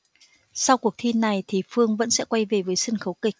sau cuộc thi này thì phương vẫn sẽ quay về với sân khấu kịch